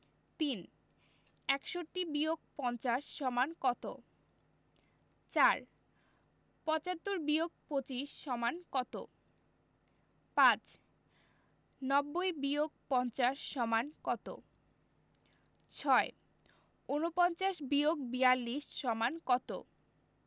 ৩ ৬১-৫০ = কত ৪ ৭৫-২৫ = কত ৫ ৯০-৫০ = কত ৬ ৪৯-৪২ = কত